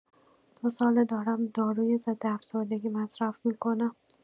دو ساله دارم داروی ضدافسردگی مصرف می‌کنم.